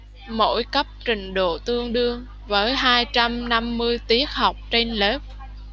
mỗi cấp trình độ tương đương với hai trăm năm mươi tiết học trên lớp